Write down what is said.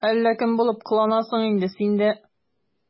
Әллә кем булып кыланасың инде син дә...